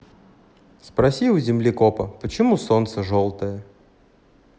спроси у землекопа почему солнце желтое